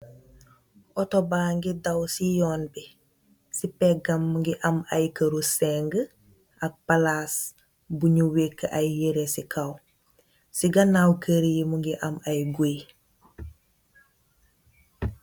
Otto bàngi daw si yòn bi. Si pègam mungi am ay këru sèñgë ak palaas buñu weecë ay yere si kow. Si ganaaw këryi mungi am ay guy.